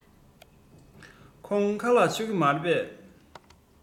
ཁོང ཁ ལག མཆོད ཀྱི མ རེད པས